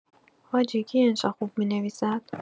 حاجی، کی انشا خوب می‌نویسد؟